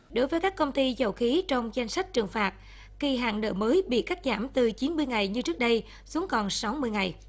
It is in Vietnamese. đối với các công ty dầu khí trong danh sách trừng phạt khi hàng đợi mới bị cắt giảm từ chín mươi ngày như trước đây xuống còn sáu mươi ngày